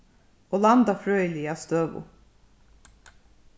og landafrøðiliga støðu